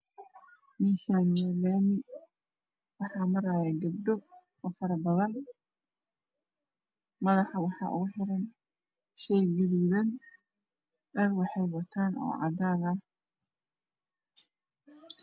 Meshani waa lami waxaa maraya gabdho aad ubadan madaxa waxaa ugu xiran maro gaduudan iyo dhar cadan ah